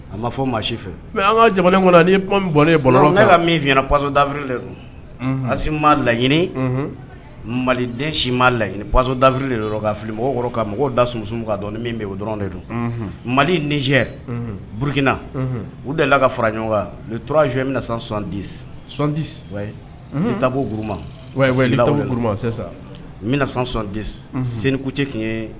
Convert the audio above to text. A ma fɔ maa si fɛ jamana bɔn bɔn ka pazsa dafri asi ma laɲini mali den si ma laɲini pasa dafiri de don ka fili mɔgɔw ka mɔgɔw da sunum k ka dɔn ni min bɛ o dɔrɔn de don mali niz burukina u dela ka fara ɲɔgɔn kan u tura z bɛna na san sɔndi sondi tabomabo sisan n bɛna na san sɔnti senku cɛ tun ye